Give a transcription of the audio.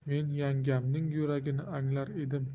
men yangamning yuragini anglar edim